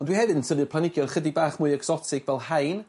Ond wi hefyd yn tynnu'r planhigion chydig bach mwy egsotig fel hain